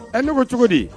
Ɛ ne ko cogo di